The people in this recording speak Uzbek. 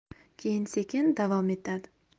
keyin sekin davom etadi